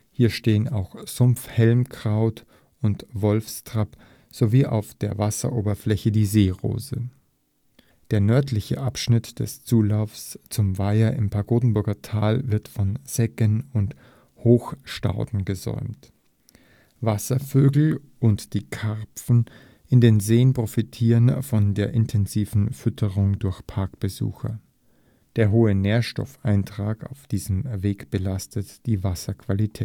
Hier stehen auch Sumpf-Helmkraut und Wolfstrapp sowie auf der Wasserfläche die Seerose. Der nördliche Abschnitt des Zulaufs zum Weiher im Pagodenburger Tal wird von Seggen und Hochstauden gesäumt. Wasservögel und die Karpfen in den Seen profitieren von der intensiven Fütterung durch Parkbesucher. Der hohe Nährstoffeintrag auf diesem Weg belastet die Wasserqualität